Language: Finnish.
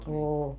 on